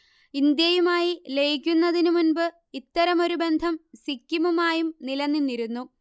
ഇന്ത്യയുമായി ലയിക്കുന്നതിനു മുൻപ് ഇത്തരമൊരു ബന്ധം സിക്കിമുമായും നിലനിന്നിരുന്നു